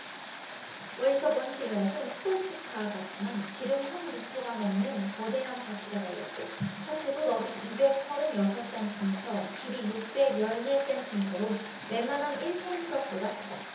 멀리서 본 실루엣은 스포츠카 같지만 지름 한 미터가 넘는 거대한 바퀴가 달렸고 차체도 너비 이백 서른 여섯 센티미터 길이 육백 열 네 센티미터로 웬만한 일 톤 트럭보다 크다